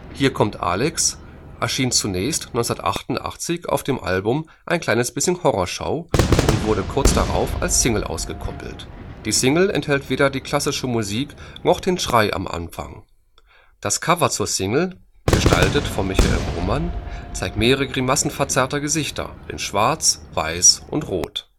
Hier kommt Alex erschien zunächst 1988 auf dem Album Ein kleines bisschen Horrorschau und wurde kurz darauf als Single ausgekoppelt. Die Single enthält weder die klassische Musik noch den Schrei am Anfang. Das Cover zur Single, gestaltet von Michael Roman, zeigt mehrere zu Grimassen verzerrte Gesichter in schwarz, weiß und rot